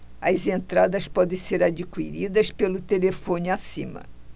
as entradas podem ser adquiridas pelo telefone acima